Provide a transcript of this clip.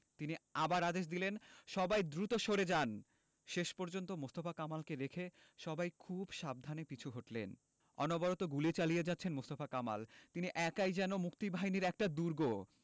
তিনি আবার আদেশ দিলেন সবাই দ্রুত সরে যান শেষ পর্যন্ত মোস্তফা কামালকে রেখে সবাই খুব সাবধানে পিছু হটলেন অনবরত গুলি চালিয়ে যাচ্ছেন মোস্তফা কামাল তিনি একাই যেন মুক্তিবাহিনীর একটা দুর্গ